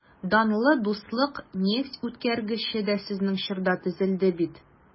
Данлы «Дуслык» нефтьүткәргече дә сезнең чорда төзелде бит...